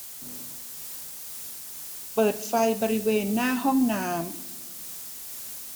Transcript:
เปิดไฟบริเวณหน้าห้องน้ำ